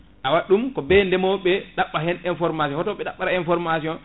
a watɗum ko be ndemoɓeɓe ɗaɓɓa hen information hoto ɓe ɗaɓɓata iformation